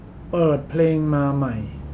เปิดเพลงมาใหม่